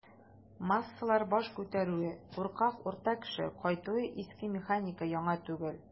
"массалар баш күтәрүе", куркак "урта кеше" кайтуы - иске механика, яңа түгел.